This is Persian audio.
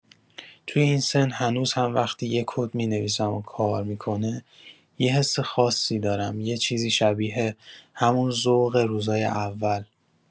توی این سن، هنوز هم وقتی یه کد می‌نویسم و کار می‌کنه، یه حس خاصی دارم، یه چیزی شبیه همون ذوق روزای اول.